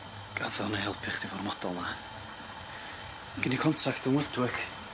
Gaddo na'i helpu chdi efo'r model 'na. Gen i contact yn woodwork